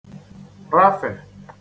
rafè